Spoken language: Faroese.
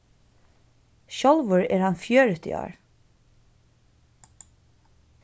sjálvur er hann fjøruti ár